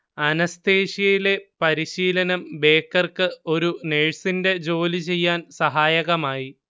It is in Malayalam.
അനസ്തേഷ്യയിലെ പരിശീലനം ബേക്കർക്ക് ഒരു നഴ്സിന്റെ ജോലി ചെയ്യാൻ സഹായകമായി